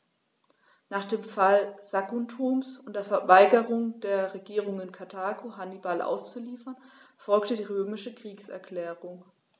Nach dem Fall Saguntums und der Weigerung der Regierung in Karthago, Hannibal auszuliefern, folgte die römische Kriegserklärung.